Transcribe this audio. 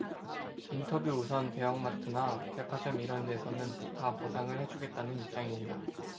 인터뷰 우선 대형마트나 백화점 이런 데서는 다 보상을 해 주겠다는 입장입니다